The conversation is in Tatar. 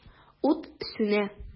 Ут сүнә.